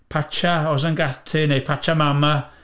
Pacha o sengate neu "pacha Mama".